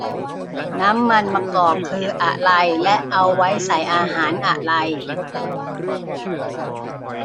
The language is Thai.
น้ำมันมะกอกคืออะไรและเอาไว้ใส่อาหารอะไร